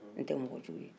ne tɛ mɔgo jugu ye